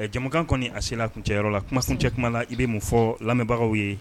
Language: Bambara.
Jamanakan kɔni a sera a kuncɛyɔrɔ la, kumaskuncɛ kuma la, i bɛ mun fɔ lamɛnbagaw ye?